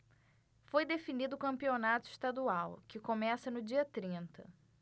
foi definido o campeonato estadual que começa no dia trinta